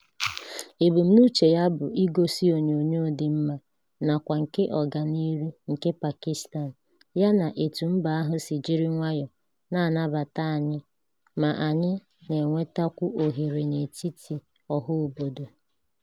Ebumnuche ya bụ igosi onyinyo dị mma nakwa nke ọganihu nke Pakistan yana etu mba ahụ si jiri nwayọọ na-anabata anyị ma anyị na-enwetakwu ohere n'etiti ọha obodo.